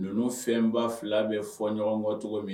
Ninnu fɛnba 2 bɛ fɔ ɲɔgɔn kɔ cogo min